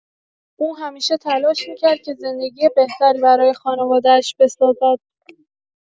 او همیشه تلاش می‌کرد که زندگی بهتری برای خانواده‌اش بسازد.